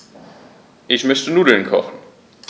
Ich möchte Nudeln kochen.